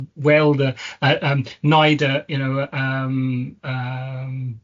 gweld yr yy yym wneud y you know, yym yym